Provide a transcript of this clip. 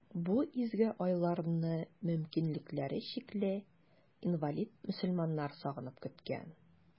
Бу изге айларны мөмкинлекләре чикле, инвалид мөселманнар сагынып көткән.